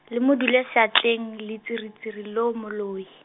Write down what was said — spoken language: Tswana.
le mo dule seatleng letsiritsiri loo moloi.